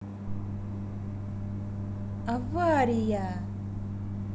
авария